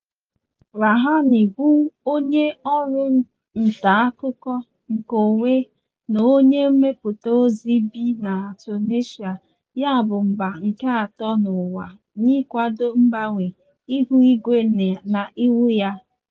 Radhouane bụ onye ọrụ nta akụkọ nke onwe na onye mbipụta ozi bi na Tunisia, ya bụ mba nke atọ n'ụwa n'ikwado mgbanwe ihu igwe na iwu ya.